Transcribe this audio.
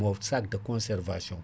sac de: fra de concervation